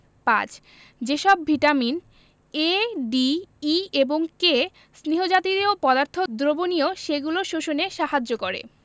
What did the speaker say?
৫. যে সব vitamin A D E এবং K স্নেহ জাতীয় পদার্থ দ্রবণীয় সেগুলো শোষণে সাহায্য করে